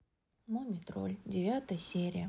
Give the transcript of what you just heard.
мумий тролли девятая серия